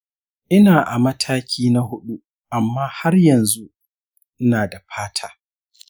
ina a mataki na huɗu amma har yanzu ina da fata.